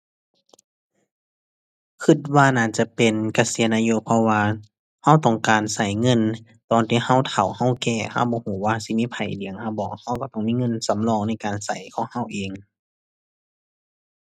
คิดว่าน่าจะเป็นเกษียณอายุ เพราะว่าคิดต้องการคิดเงิน ตอนที่คิดเฒ่าคิดแก่ คิดบ่คิดว่าคิดสิมีไผเลี้ยงคิดบ่ คิดคิดต้องมีเงินสำรองในการคิดของคิดเอง